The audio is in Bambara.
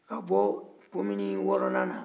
ka bɔ komini wɔɔrɔnan na